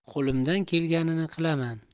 qo'limdan kelganini qilaman